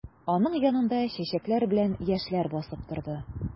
Аның янында чәчәкләр белән яшьләр басып торды.